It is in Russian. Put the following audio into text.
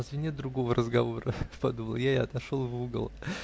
разве нет другого разговора?" -- подумал я и отошел в угол.